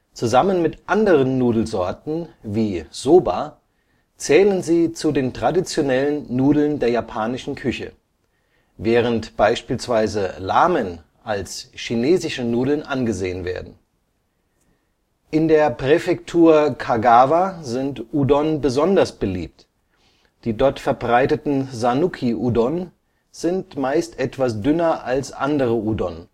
Zusammen mit anderen Nudelsorten, wie Soba, zählen sie zu den traditionellen Nudeln der Japanischen Küche, während beispielsweise Ramen als chinesische Nudeln angesehen werden. In der Präfektur Kagawa sind Udon besonders beliebt, die dort verbreiteten Sanuki-Udon sind meist etwas dünner als andere Udon